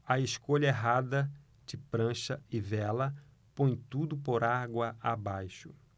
a escolha errada de prancha e vela põe tudo por água abaixo